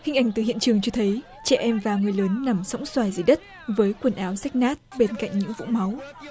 hình ảnh từ hiện trường cho thấy trẻ em và người lớn nằm sõng soài dưới đất với quần áo rách nát bên cạnh những vũng máu